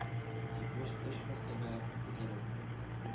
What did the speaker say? Җитмеш өч мәртәбә күтәреп,